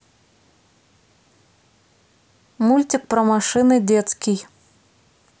мультик про машины детский